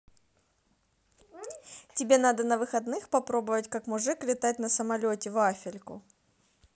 тебе надо на выходных попробовать как мужик летать на самолете вафельку